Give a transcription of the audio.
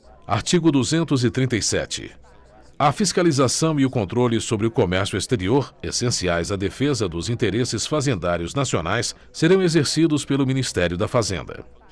artigo duzentos e trinta e sete a fiscalização e o controle sobre o comércio exterior essenciais à defesa dos interesses fazendários nacionais serão exercidos pelo ministério da fazenda